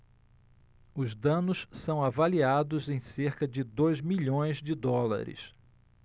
os danos são avaliados em cerca de dois milhões de dólares